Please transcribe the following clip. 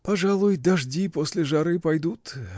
Пожалуй, дожди после жары пойдут.